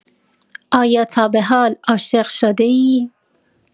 آیا تا به حال عاشق شده‌ای؟